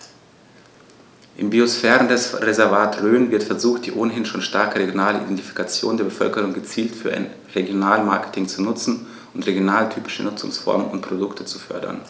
Im Biosphärenreservat Rhön wird versucht, die ohnehin schon starke regionale Identifikation der Bevölkerung gezielt für ein Regionalmarketing zu nutzen und regionaltypische Nutzungsformen und Produkte zu fördern.